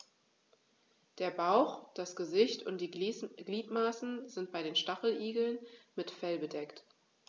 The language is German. Der Bauch, das Gesicht und die Gliedmaßen sind bei den Stacheligeln mit Fell bedeckt.